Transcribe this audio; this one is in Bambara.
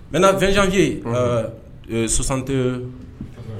N bɛ fɛnccɛ sosante